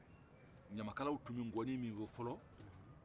ɲamakala tun bɛ ngɔnni min fɔlɔ